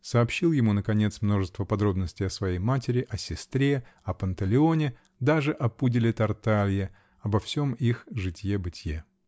сообщил ему, наконец, множество подробностей о своей матери, о сестре, о Панталеоне, даже о пуделе Тарталье, обо всем их житье-бытье.